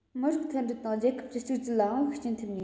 མི རིགས མཐུན སྒྲིལ དང རྒྱལ ཁབ ཀྱི གཅིག གྱུར ལའང ཤུགས རྐྱེན ཐེབས ངེས